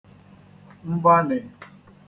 mgbanị̀